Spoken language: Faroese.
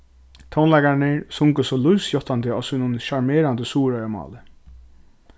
tónleikararnir sungu so lívsjáttandi á sínum sjarmerandi suðuroyarmáli